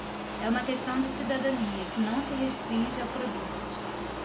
é uma questão de cidadania que não se restringe a produtos